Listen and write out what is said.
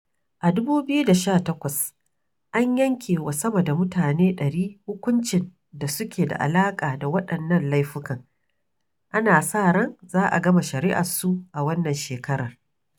A 2018, an yanke wa sama da mutane ɗari hukuncin da suke da alaƙa da waɗannan laifukan. Ana sa ran za a gama shari'arsu a wannan shekarar.